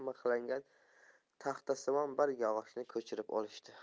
mixlangan taxtasimon bir yog'ochni ko'chirib olishdi